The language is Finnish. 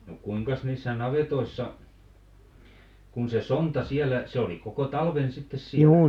no kuinkas niissä navetoissa kun se sonta siellä se oli koko talven sitten siellä